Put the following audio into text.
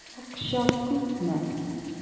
Акча күпме?